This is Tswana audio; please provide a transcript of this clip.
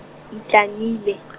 itlamile .